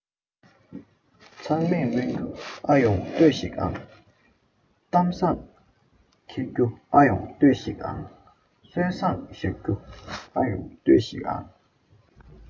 ཚང མས སྨོན རྒྱུ ཨ ཡོང ལྟོས ཤིག ཨང གཏམ བཟང འཁྱེར རྒྱུ ཨ ཡོང ལྟོས ཤིག ཨང སྲོལ བཟང གཞག རྒྱུ ཨ ཡོང ལྟོས ཤིག ཨང